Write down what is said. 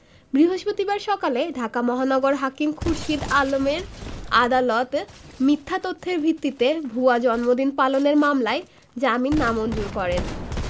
বৃহস্পতিবার সকালে ঢাকা মহানগর হাকিম খুরশীদ আলমের আদালত মিথ্যা তথ্যের ভিত্তিতে ভুয়া জন্মদিন পালনের মামলায় জামিন নামঞ্জুর করেন